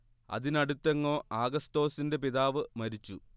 അതിനടുത്തെങ്ങോ ആഗസ്തോസിന്റെ പിതാവ് മരിച്ചു